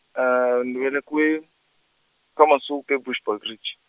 ni velekiwe, ka Masuke Bushbuckridge.